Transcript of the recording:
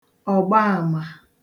ọ̀gbaàmà